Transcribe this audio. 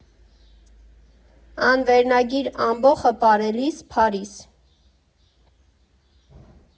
Անվերնագիր (Ամբոխը պարելիս, Փարիզ)